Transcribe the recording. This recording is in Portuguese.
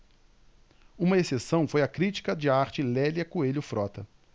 uma exceção foi a crítica de arte lélia coelho frota